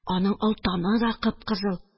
Аның олтаны да кыпкызыл